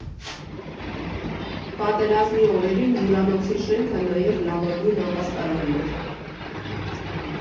Պատերազմի օրերին հյուրանոցի շենքը նաև լավագույն ապաստարանն էր։